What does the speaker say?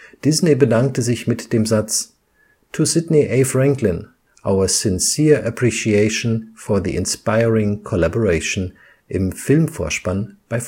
Disney bedankte sich mit dem Satz „ To Sidney A. Franklin – our sincere appreciation for the inspiring collaboration. “im Filmvorspann bei